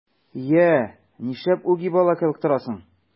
Йә, нишләп үги бала кебек торасың?